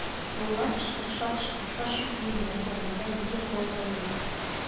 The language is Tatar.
Балалар кычкырыша-кычкырыша чүп өемнәре янында нидер гаугалыйлар